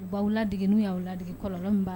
U b'aw lade n' y'aw ladeigi kɔlɔn b'a